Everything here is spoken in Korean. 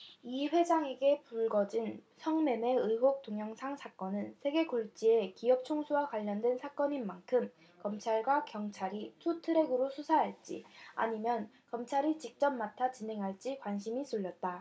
이 회장에게 불거진 성매매 의혹 동영상 사건은 세계 굴지의 기업 총수와 관련된 사건인 만큼 검찰과 경찰이 투트랙으로 수사할지 아니면 검찰이 직접 맡아 진행할지 관심이 쏠렸다